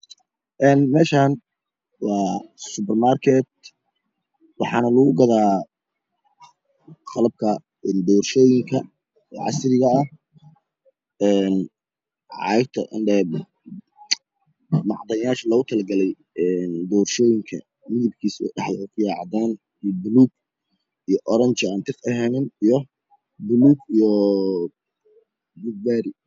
Meeshan waa subermarket waxa lagu gadaa qalabka doorshooyinka oo casriga ah macdanyaasha loogu tala galay doorshooyinka midabkiisu u dhexda kayahay cadaan iyo buluug iyo orenge aan tiq eheen iyo buluug iyo bulug mari